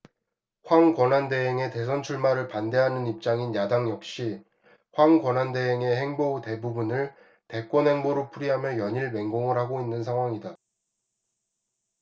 황 권한대행의 대선 출마를 반대하는 입장인 야당 역시 황 권한대행의 행보 대부분을 대권행보로 풀이하며 연일 맹공을 하고 있는 상황이다